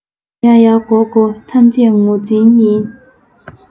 ཡ ཡ གོ གོ ཐམས ཅད ངོ འཛིན ཡིན